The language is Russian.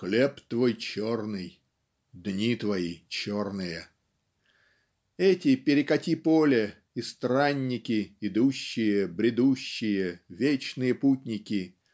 "хлеб твой черный, дни твои черные", эти перекати-поле и странники, идущие, бредущие, вечные путники